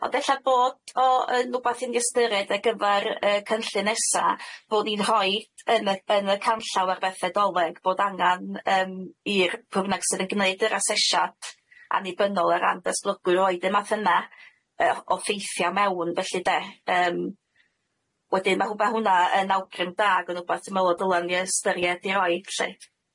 Ond ella bod o yn wbath yn ystyried ar gyfar yy cynllun nesa bod ni'n rhoid yn y yn y canllaw ar bethe doleg bod angan yym i'r pw'wnag sydd yn gneud yr asesiad annibynnol o ran datglygwyr roid y math yna yy o ffeithia' mewn felly de, yym wedyn ma' rwbath hwnna yn awgrym da ag yn wbath dwi me'wl o dyla ni ystyried i roid lly.